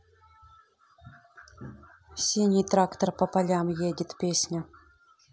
синий трактор по полям едет песня